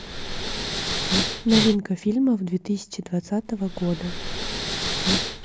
новинка фильмов две тысячи двадцатого года